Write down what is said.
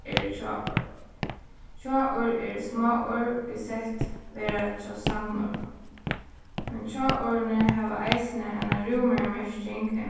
eru hjáorð hjáorð eru smáorð ið sett verða hjá sagnorðum men hjáorðini hava eisini eina rúmari merking enn